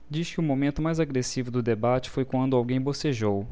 diz que o momento mais agressivo do debate foi quando alguém bocejou